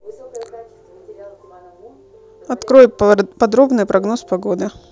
открой подробный прогноз погоды